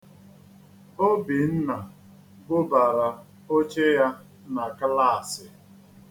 Obinna bubara oche ya na klaasị.